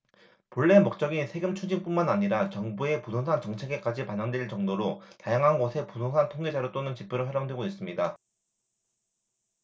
본래 목적인 세금추징뿐만 아니라 정부의 부동산 정책에까지 반영될 정도로 다양한 곳에 부동산 통계자료 또는 지표로 활용되고 있습니다